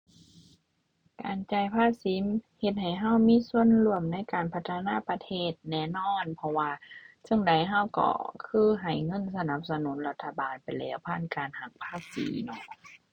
การจ่ายภาษีเฮ็ดให้เรามีส่วนร่วมในการพัฒนาประเทศแน่นอน เพราะว่าจั่งใดเราก็คือให้เงินสนับสนุนรัฐบาลไปแล้ว ผ่านการหักภาษีเนาะ